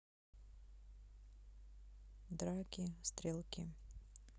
драки стрелки